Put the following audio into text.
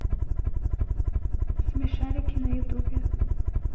смешарики на ютубе